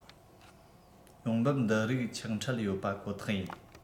ཡོང འབབ འདི རིགས ཆག འཕྲད ཡོད པ ཁོ ཐག ཡིན